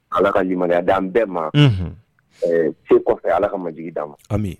Ala ka jamanaya da bɛɛ ma so ye ala ka ma jigi d'a ma